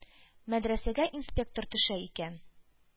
Мәдрәсәгә инспектор төшә икән,